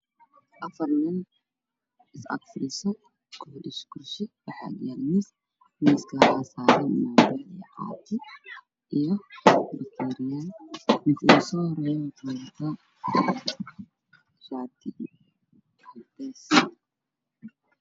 Waxaa ka muuqda niman shir ku jira oo biyo ah hor yaalan waana afar nin